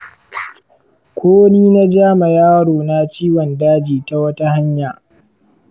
ko ni na ja ma yaro na ciwon daji ta wata hanya?